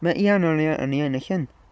Me- ia o'n i y- o'n i yn y llyn.